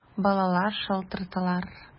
Балалар шалтыраттылар!